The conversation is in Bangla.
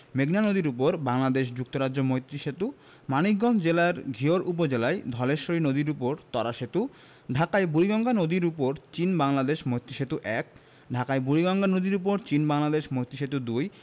মেঘনা নদীর উপর বাংলাদেশ যুক্তরাজ্য মৈত্রী সেতু মানিকগঞ্জ জেলার ঘিওর উপজেলায় ধলেশ্বরী নদীর উপর ত্বরা সেতু ঢাকায় বুড়িগঙ্গা নদীর উপর চীন বাংলাদেশ মৈত্রী সেতু ১ ঢাকায় বুড়িগঙ্গা নদীর উপর চীন বাংলাদেশ মৈত্রী সেতু ২